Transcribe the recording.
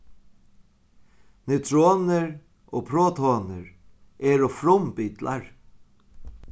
neutronir og protonir eru frumbitlar